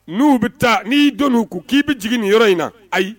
N'u bɛ taa n'i'i don u kun k'i bɛ jigin nin yɔrɔ in na ayi